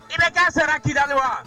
I bɛ kɛ sara kidali wa